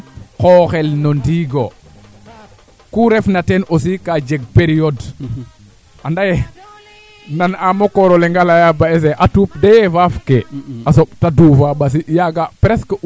rooga wasanam comme ne'iim gon xaƴa refe tiyanam ga; aam feede faak oxa sufna gooñ fo mayu fo sakanu koy Niakhar a jikwiidin to pisna tena leera xame jiinde ñaama gooñ